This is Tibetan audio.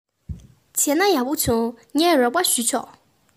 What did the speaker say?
བྱས ན ཡག པོ བྱུང ངས རོགས པ བྱས ཆོག